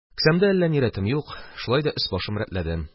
Кесәмдә әллә ни рәтем юк, шулай да өс-башым рәтләдем.